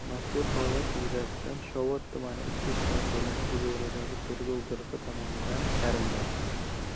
mazkur holat yuzasidan shovot tumani ichki ishlar boimi huzuridagi tergov guruhi tomonidan karimboy